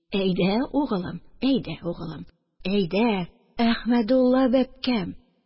Әйдә, угылым, әйдә, угылым, әйдә, Әхмәдулла бәбкәм